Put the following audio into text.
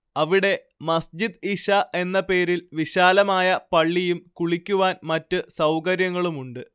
അവിടെ മസ്ജിദ് ഇശ എന്ന പേരിൽ വിശാലമായ പള്ളിയും കുളിക്കുവാൻ മറ്റ് സൗകര്യങ്ങളുമുണ്ട്